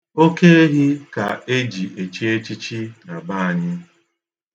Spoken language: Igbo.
Oke ehi ka e ji echi echichi na be anyị.